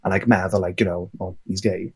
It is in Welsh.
A like meddwl like you know oh he's gay.